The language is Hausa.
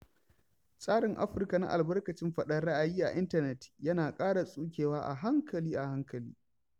Tsarin Afirka na albarkacin faɗar ra'ayi a intanet yana ƙara tsukewa a hankali a hankali.